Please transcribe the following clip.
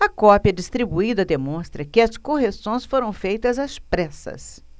a cópia distribuída demonstra que as correções foram feitas às pressas